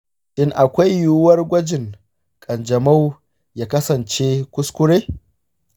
shin akwai yiwuwar gwajin kanjamau ya kasance kuskure?